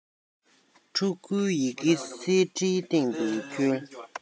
ཕྲུ གུའི ཡི གེ གསེར ཁྲིའི སྟེང དུ སྐྱོལ